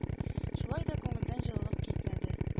Шулай да күңелдән җылылык китмәде.